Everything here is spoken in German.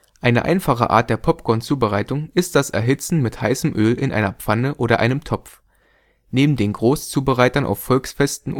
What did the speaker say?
Eine einfache Art der Popcorn-Zubereitung ist das Erhitzen mit heißem Öl in einer Pfanne oder einem Topf. Neben den Großzubereitern auf Volksfesten